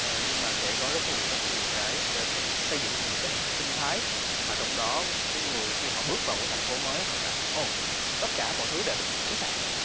ờ nhưng mà sẽ có rất nhiều rất nhiều cái để xây dựng thành một thế hệ sinh thái mà trong đó một cái người khi họ bước vào một thành phố mới họ cảm thấy ổn tất cả mọi thứ đều được sẵn sàng